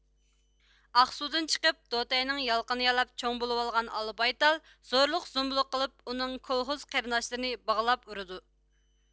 ئاقسۇدىن چىقىپ دوتەينىڭ يالىقىنى يالاپ چوڭ بولۇۋالغان ئالا بايتال زورلۇق زومبۇلۇق قىلىپ ئۇنىڭ كولخوز قېرىنداشلىرىنى باغلاپ ئۇرىدۇ